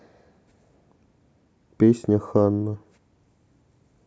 песня ханна